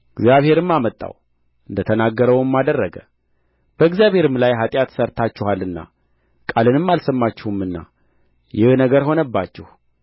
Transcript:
እግዚአብሔርም አመጣው እንደ ተናገረውም አደረገ በእግዚአብሔርም ላይ ኃጢአት ሠርታችኋልና ቃሉንም አልሰማችሁምና ይህ ነገር ሆነባችሁ